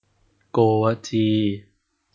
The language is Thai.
โกวาจี